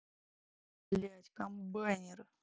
блядь комбайнеры